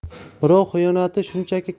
birov xiyonatni shunchaki